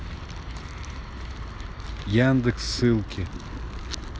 яндекс ссылки